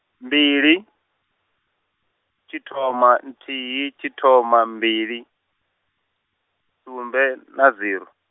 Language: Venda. mbili, tshithoma nthihi, tshithoma mbili, sumbe, na ziro.